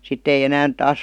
sitten ei enää taas